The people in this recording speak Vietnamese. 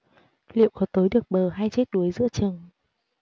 liệu có tới được bờ hay chết đuối giữa chừng